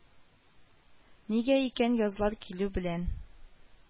Нигә икән язлар килү белән